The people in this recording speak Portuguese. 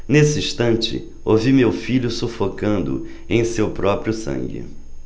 nesse instante ouvi meu filho sufocando em seu próprio sangue